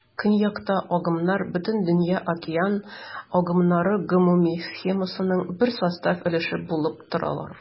Көньякта агымнар Бөтендөнья океан агымнары гомуми схемасының бер состав өлеше булып торалар.